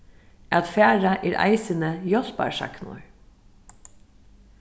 at fara er eisini hjálparsagnorð